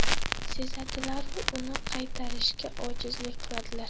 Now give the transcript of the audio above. sezadilar u uni qaytarishga ojizlik qiladilar